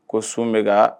Ko sun bɛ ka